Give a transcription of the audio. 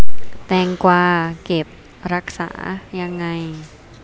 แตงกวาเก็บรักษายังไง